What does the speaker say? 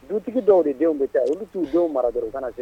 Du dɔw de denw bɛ cɛ olu' u denw mara dɔrɔn kana cɛ